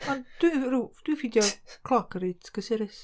ond dwi'n ryw, dwi'n ffeindio cloc yn reit gysurus.